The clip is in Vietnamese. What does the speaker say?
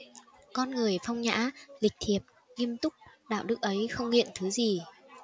con người phong nhã lịch thiệp nghiêm túc đạo đức ấy không nghiện thứ gì